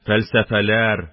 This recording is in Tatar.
Фәлсәфәләр,